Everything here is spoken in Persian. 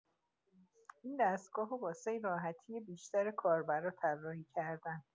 این دستگاهو واسه راحتی بیشتر کاربرا طراحی‌کردن.